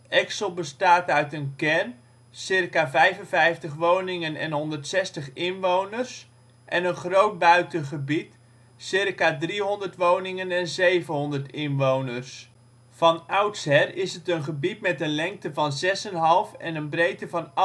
Exel bestaat uit een kern (ca. 55 woningen en 160 inwoners) en een groot buitengebied (ca. 300 woningen en 700 inwoners) Van oudsher is het een gebied met een lengte van 6,5 en een breedte van